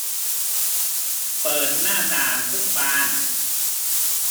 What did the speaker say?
เปิดหน้าต่างทุกบาน